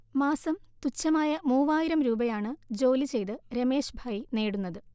മാസം തുച്ഛമായ മൂവായിരം രൂപയാണ് ജോലി ചെയ്ത് രമേശ്ഭായ് നേടുന്നത്